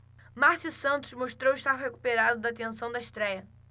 márcio santos mostrou estar recuperado da tensão da estréia